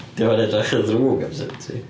'Di o'm yn edrych yn ddrwg am seventy.